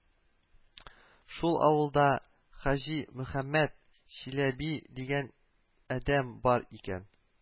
Шул авылда Хаҗи Мөхәммәд Чәләби дигән адәм бар икән